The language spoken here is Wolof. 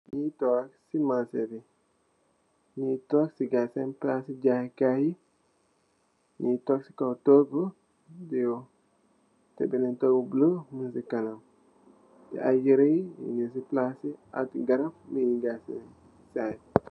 Nougui tok ci marsebi nyougui tok cen palasci jayekaye bi nyougui tok ci kaw togouteh bennen togou bou bolou moung ci kanam aye yerreh moung ci palas bi ak aye darap.